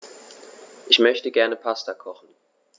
Ich möchte gerne Pasta kochen.